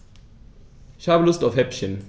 Ich habe Lust auf Häppchen.